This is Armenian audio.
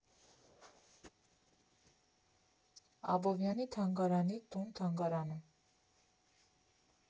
Աբովյանի թանգարանի տուն֊թանգարանը»։